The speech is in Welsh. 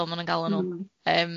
fel ma' nw'n galw nw